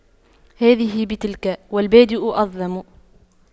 هذه بتلك والبادئ أظلم